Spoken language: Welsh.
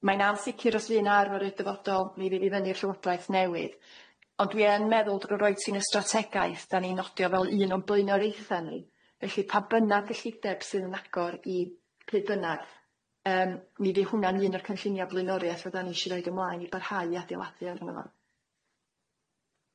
Mae'n ansicir os fu 'na i'r dyfodol mi fydd i fyny i'r llywodraeth newydd ond dwi yn meddwl drw roi ti'n y strategaeth dan ni'n odio fel un o'n blaenoriaethe ni felly pa bynnag gyllideb sydd yn agor i pe bynnag yym mi fydd hwnna'n un o'r cynllunia' blaenoriaeth fyddan ni isio roid ymlaen i barhau i adeiladu arno fo.